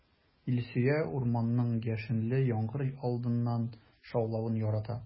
Илсөя урманның яшенле яңгыр алдыннан шаулавын ярата.